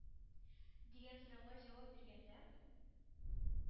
Дигән сорауга җавап биргәндә: